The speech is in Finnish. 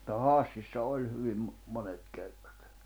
mutta Hassissa oli hyvin monet kerrat